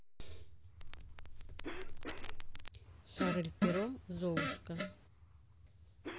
шарль перо золушка